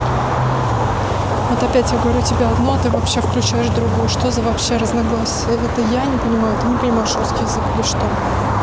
вот опять я говорю тебе одно а ты вообще включаешь другое что за вообще разноглассие это я не понимаю ты не понимаешь русский язык или что